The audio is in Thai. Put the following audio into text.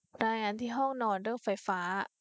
รายงานที่ห้องนอนเรื่องไฟฟ้า